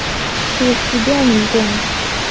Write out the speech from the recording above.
через тебя нельзя